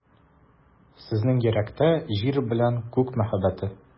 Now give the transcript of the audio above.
Сезнең йөрәктә — Җир белә Күк мәхәббәте.